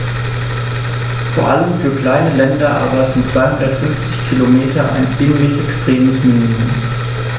Vor allem für kleine Länder aber sind 250 Kilometer ein ziemlich extremes Minimum.